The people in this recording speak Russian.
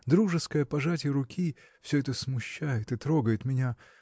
дружеское пожатие руки – все это смущает и трогает меня